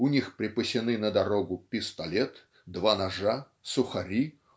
у них припасены на дорогу пистолет два ножа сухари